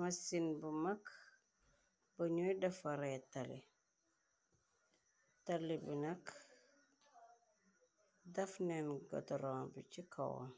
Masin bu mak bu njuiy defareh tali, tali bi nak daf nen gohdorong bii chi kawam,